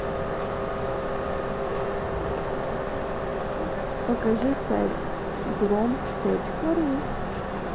покажи сайт дром точка ру